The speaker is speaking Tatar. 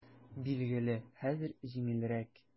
Билгеле, хәзер җиңелрәк.